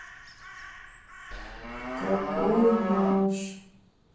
в какой наш